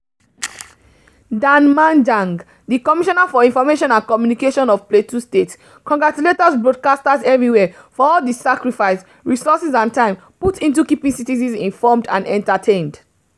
Dan Manjang, the commissioner for information and communication of Plateau state, congratulated broadcasters everywhere for "all the sacrifice, resources and time" put into keeping citizens informed and entertained: